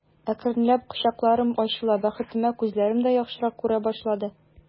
Акрынлап колакларым ачыла, бәхетемә, күзләрем дә яхшырак күрә башлады.